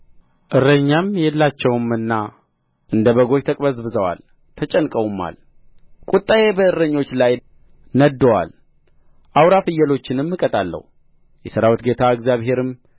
እረኛም የላቸውምና እንደ በጎች ተቅበዝብዘዋል ተጨንቀውማል ቍጣዬ በእረኞች ላይ ነድዶአል አውራ ፍየሎችንም እቀጣለሁ የሠራዊት ጌታ እግዚአብሔርም